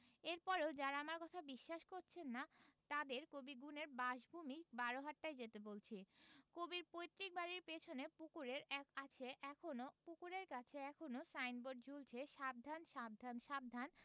এর পরেও যারা আমার কথা বিশ্বাস করছেন না তাঁদের কবি গুণের বাসভূমি বারহাট্টায় যেতে বলছি কবির পৈতৃক বাড়ির পেছনে পুকুরের আছে এখনো পুকুরের কাছে এখনো সাইনবোর্ড ঝুলছে সাবধান সাবধান সাবধান